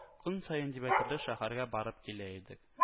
Көн саен дип әйтерлек шәһәргә барып килә идек